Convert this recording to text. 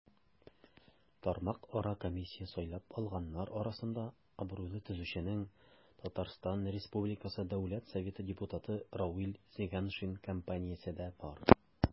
Тармакара комиссия сайлап алганнар арасында абруйлы төзүченең, ТР Дәүләт Советы депутаты Равил Зиганшин компаниясе дә бар.